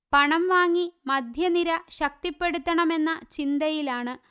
പണം വാങ്ങി മധ്യനിര ശക്തിപ്പെടുത്തണം എന്ന ചിന്തയിലാണ്